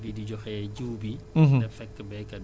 xam nga aussi ku ne mbay rekk ne xaalis